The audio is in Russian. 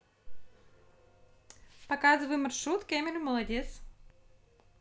показывай маршрут кемер молодец